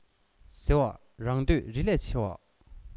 ཟེར བ རང འདོད རི ལས ཆེ བ